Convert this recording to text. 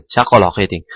chaqaloq eding